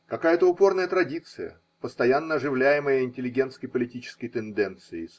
Какая-то упорная традиция, постоянно оживляемая интеллигентской политической тенденцией.